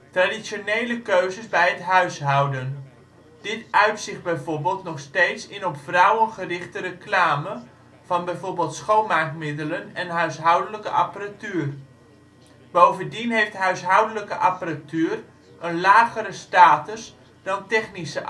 traditionele keuzes bij het huishouden. Dit uit zich bijvoorbeeld nog steeds in op vrouwen gerichte reclame van bijvoorbeeld schoonmaakmiddelen en huishoudelijke apparatuur. Bovendien heeft huishoudelijke apparatuur een lagere status dan technische